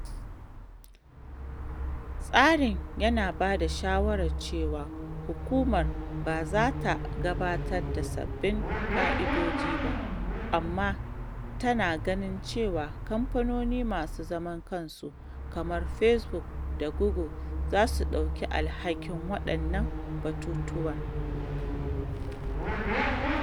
Tsarin yana ba da shawarar cewa Hukumar ba za ta gabatar da sabbin ƙa’idoji ba, amma tana ganin cewa kamfanoni masu zaman kansu kamar Facebook da Google za su ɗauki alhakin waɗannan batutuwan.